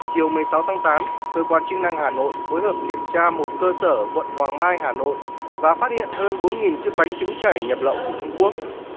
chiều mười sáu tháng tám cơ quan chức năng hà nội phối hợp kiểm tra một cơ sở quận hoàng mai hà nội và phát hiện hơn bốn nghìn chiếc bánh trứng chảy nhập lậu từ trung quốc